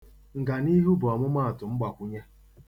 Nganihu bụ ọmụma atụ mgbakwụnye.